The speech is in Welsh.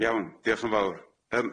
Iawn diolch yn fawr. Yym